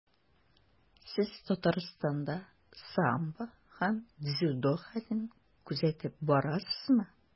Сез Татарстанда самбо һәм дзюдо хәлен күзәтеп барасызмы?